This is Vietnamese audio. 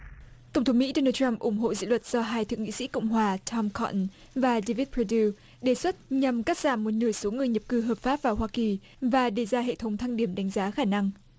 tổng thống mỹ đô nam trăm ủng hộ dự luật do hai thượng nghị sĩ cộng hòa tham ca ần và đơ vít cơ nưu đề xuất nhằm cắt giảm một nửa số người nhập cư hợp pháp vào hoa kỳ và đề ra hệ thống thang điểm đánh giá khả năng